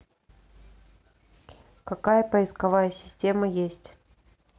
какая поисковая система есть